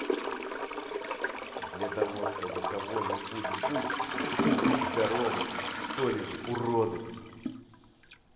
для того чтобы кого нибудь будь и быть здоровым что ли вы уроды